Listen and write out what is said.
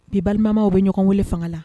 Bi balimamaw bɛ ɲɔgɔn wele fanga la